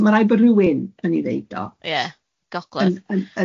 so ma' rhaid bo rhywun yn 'ei ddeud o. Ia, gogledd.